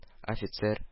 Офицер